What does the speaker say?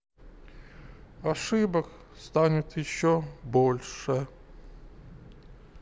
ошибок станет еще больше